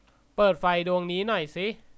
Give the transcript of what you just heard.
เปิดไฟดวงนี้หน่อยสิ